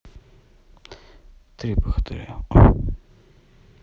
три богатыря ой